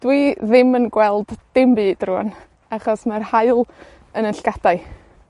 dw i ddim yn gweld dim byd rŵan, achos ma'r haul yn 'yn llygadai.